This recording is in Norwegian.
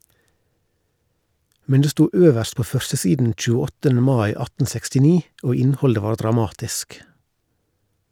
Men det sto øverst på førstesiden 28. mai 1869, og innholdet var dramatisk.